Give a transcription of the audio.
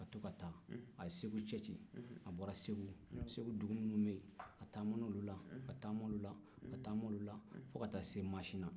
ka to ka taa a ye segu cɛci a bɔra segu segu dugu minnu bɛ yen a taama na olu la ka taama olu la ka taama olu la fo ka taa se masina